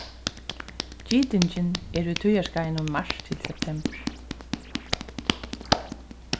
gitingin er í tíðarskeiðnum mars til septembur